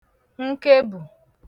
nkebù